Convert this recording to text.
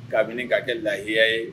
Kabini ka kɛ lahiya ye